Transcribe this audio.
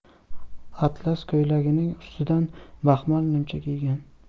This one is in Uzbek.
atlas ko'ylagining ustidan baxmal nimcha kiygan